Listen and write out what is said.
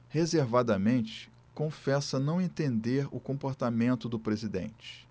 reservadamente confessa não entender o comportamento do presidente